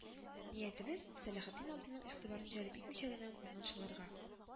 Ниятебез: Сәләхетдин абзыйның игътибарын җәлеп итмичә генә моннан шылырга